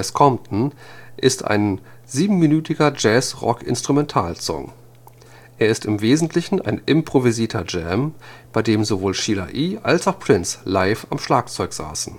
Compton ist ein siebenminütiger Jazz-Rock-Instrumentalsong. Er ist im Wesentlichen ein improvisierter Jam, bei dem sowohl Sheila E. als auch Prince live am Schlagzeug saßen